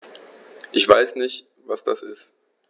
Ich weiß nicht, was das ist.